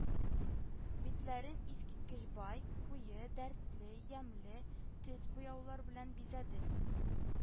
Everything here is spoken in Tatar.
Битләрен искиткеч бай, куе, дәртле, ямьле төс-буяулар белән бизәде